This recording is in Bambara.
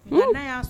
Hunn ŋa n'a y'a s